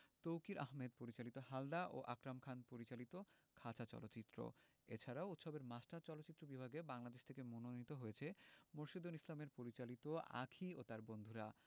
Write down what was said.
তৌকীর আহমেদ পরিচালিত হালদা ও আকরাম খান পরিচালিত খাঁচা চলচ্চিত্র এছাড়াও উৎসবের মাস্টার চলচ্চিত্র বিভাগে বাংলাদেশ থেকে মনোনীত হয়েছে মোরশেদুল ইসলাম পরিচালিত আঁখি ও তার বন্ধুরা